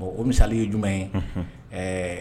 Bon o misali ye jumɛnuma ye ɛɛ